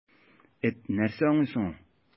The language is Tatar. Эт нәрсә аңлый соң ул!